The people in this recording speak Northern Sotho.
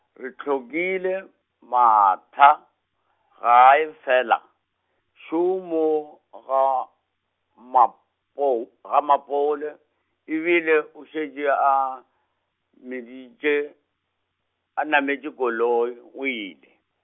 re hlokile Martha, gae fela, šo mo gaMapo-, gaMapole ebile o šetše a, meditše, a nametše koloi o ile.